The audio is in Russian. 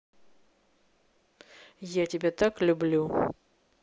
я тебя так люблю